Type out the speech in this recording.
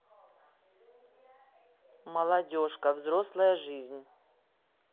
молодежка взрослая жизнь